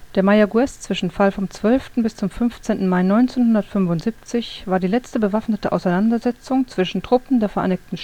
Der Mayaguez-Zwischenfall vom 12. bis zum 15. Mai 1975 war die letzte bewaffnete Auseinandersetzung zwischen Truppen der Vereinigten